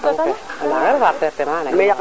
an kay a nanga refe pertement na in de